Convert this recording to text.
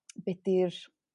Be' 'di'r